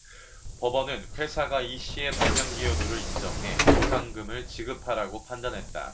법원은 회사가 이씨의 발명 기여도를 인정해 보상금을 지급하라고 판단했다